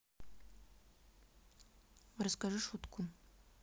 а расскажи шутку